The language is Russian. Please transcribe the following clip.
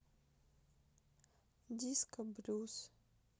диско блюз